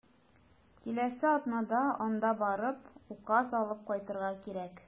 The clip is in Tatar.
Киләсе атнада анда барып, указ алып кайтырга кирәк.